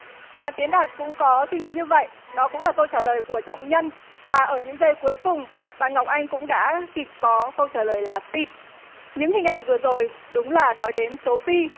bạn tiến đạt cũng có suy nghĩ như vậy đó cũng là câu trả lời của trọng nhân và ở những giây cuối cùng bạn ngọc anh cũng đã kịp có câu trả lời là pi những hình ảnh vừa rồi đúng là nói đến số pi